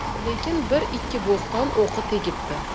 lekin bir ikki bo'hton o'qi tegibdi